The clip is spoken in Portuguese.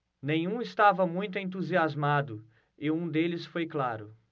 nenhum estava muito entusiasmado e um deles foi claro